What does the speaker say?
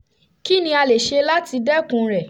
Kí ni a lè ṣe láti dẹ́kun rẹ̀?